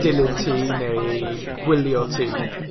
dilyn ti neu gwylio ti,